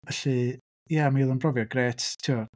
Felly ia mi oedd o'n brofiad grêt tibod.